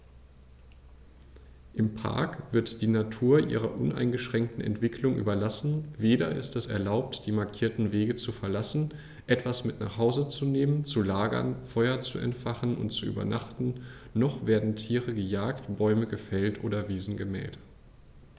Im Park wird die Natur ihrer uneingeschränkten Entwicklung überlassen; weder ist es erlaubt, die markierten Wege zu verlassen, etwas mit nach Hause zu nehmen, zu lagern, Feuer zu entfachen und zu übernachten, noch werden Tiere gejagt, Bäume gefällt oder Wiesen gemäht.